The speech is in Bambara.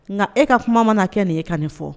Nka e ka kuma mana kɛ nin e ka nin fɔ